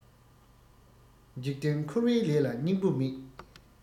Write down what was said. འཇིག རྟེན འཁོར བའི ལས ལ སྙིང པོ མེད